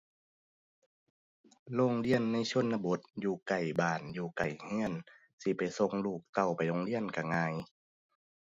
โรงเรียนในชนบทอยู่ใกล้บ้าน อยู่ใกล้เรือน สิไปส่งลูกเต้าไปโรงเรียนเรือนง่าย